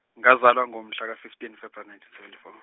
ngazalwa ngomhlaka fifteen February nineteen seventy four.